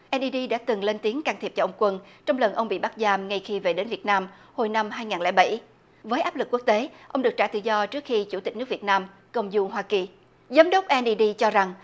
en y đi đã từng lên tiếng can thiệp cho ông quân trong lần ông bị bắt giam ngay khi về đến việt nam hồi năm hai ngàn lẻ bảy với áp lực quốc tế ông được trả tự do trước khi chủ tịch nước việt nam công du hoa kỳ giám đốc en y đi cho rằng